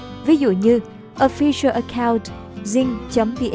ví dụ như official account zing vn là zalo tin tức